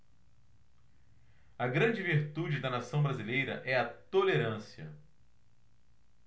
a grande virtude da nação brasileira é a tolerância